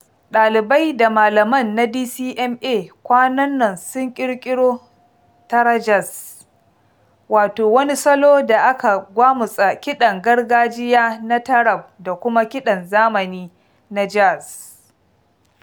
ɗalibai da malaman na DCMA kwanan nan sun ƙirƙiro "TaraJazz", wato wani salo da aka gwamutsa kiɗan gargajiya na taarab da kuma kiɗan zamani na jazz.